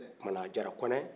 ɔɔ kumana jara-kɔnɛ